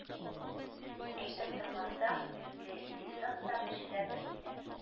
Әйтеп тормасаң, юньле ризык та пешерә белмиләр